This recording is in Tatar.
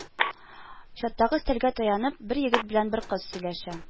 Чаттагы өстәлгә таянып, бер егет белән бер кыз сөйләшә